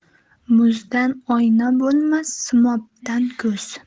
muzdan oyna bo'lmas simobdan ko'z